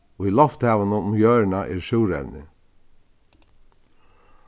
í lofthavinum um jørðina er súrevni